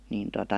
niin tuota